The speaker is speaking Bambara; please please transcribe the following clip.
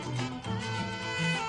Sanunɛ yo